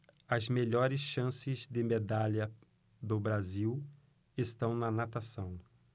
as melhores chances de medalha do brasil estão na natação